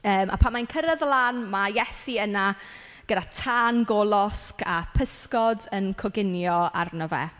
Yym a pan ma' e'n cyrraedd y lan, ma' Iesu yna gyda tân golosg a pysgod yn coginio arno fe.